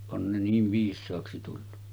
on ne niin viisaaksi tullut